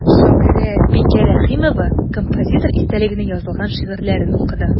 Шагыйрә Бикә Рәхимова композитор истәлегенә язылган шигырьләрен укыды.